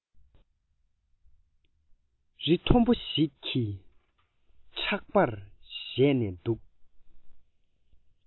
རི མཐོན པོ ཞིག གི ཕྲག པར བཞད ནས འདུག